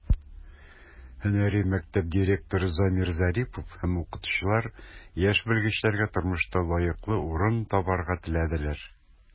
Һөнәри мәктәп директоры Замир Зарипов һәм укытучылар яшь белгечләргә тормышта лаеклы урын табарга теләделәр.